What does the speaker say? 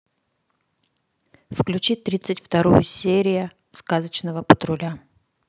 включи тридцать вторую серия сказочного патруля